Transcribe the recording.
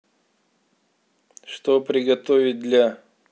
что приготовить для